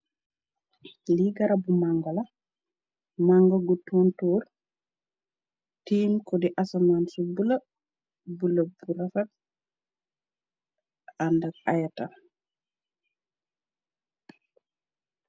Ligara bu mangola manga gu tontoor tiim ko di asaman su bula bula bu rafal anda ayata